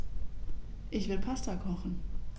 Ich will Pasta kochen.